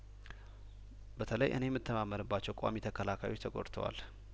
በተለይ እኔ የምተማመንባቸው ቋሚ ተከላካዮች ተጐድተዋል